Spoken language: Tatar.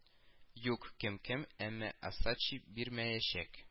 Юк, кем кем, әмма Осадчий бирмәячәк